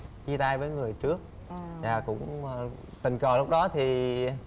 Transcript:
chia tay với người trước và cũng tình cờ lúc đó thì